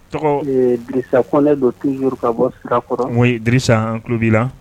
Salen don ka bɔ n disa tulobi la